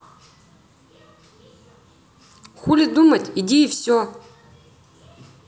хули думать иди и все